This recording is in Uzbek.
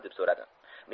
deb so'radi